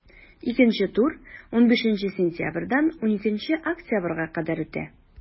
Икенче тур 15 сентябрьдән 12 октябрьгә кадәр үтә.